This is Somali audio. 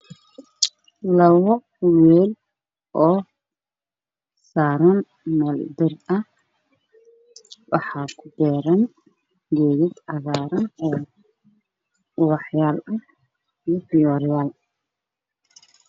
Waa geed caleemo balaaran midabkiis